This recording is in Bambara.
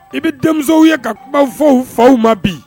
I bɛ denmisɛnw ye ka kuma fɔ u faw ma bi